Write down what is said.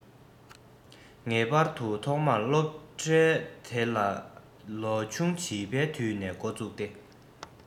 ངེས པར དུ ཐོག མར སློབ གྲྭའི དེ ཡང ལོ ཆུང བྱིས པའི དུས ནས འགོ བཙུགས ཏེ